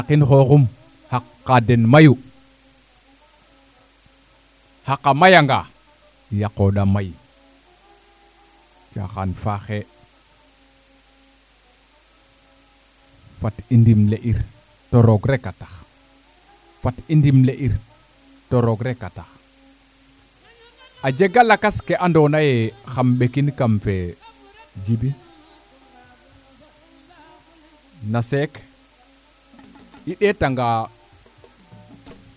xaqa maya nga yaoqonda may caxaan faaxe fat i ndimle ir to roog reka tax fat i ndim le ir te roog reka tax a jga lakas ke ando naye xam mbekin kam fee Djiby na seek i ndeta nga